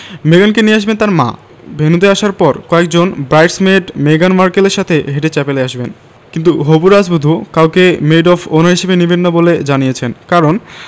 মেগানকে নিয়ে আসবেন তাঁর মা ভেন্যুতে আসার পর কয়েকজন ব্রাইডস মেড মেগান মার্কেলের সাথে হেঁটে চ্যাপেলে আসবেন কিন্তু হবু রাজবধূ কাউকেই মেড অব অনার হিসেবে নেবেন না বলে জানিয়েছেন কারণ